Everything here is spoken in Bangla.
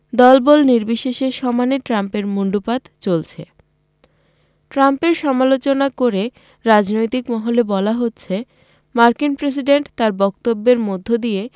দলবল নির্বিশেষে সমানে ট্রাম্পের মুণ্ডুপাত চলছে ট্রাম্পের সমালোচনা করে রাজনৈতিক মহলে বলা হচ্ছে মার্কিন প্রেসিডেন্ট তাঁর বক্তব্যের মধ্য দিয়ে